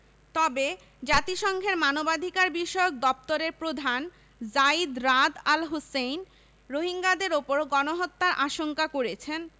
তবে জাতিসংঘের মানবাধিকারবিষয়ক দপ্তরের প্রধান যায়িদ রাদ আল হোসেইন রোহিঙ্গাদের ওপর গণহত্যার আশঙ্কা করেছেন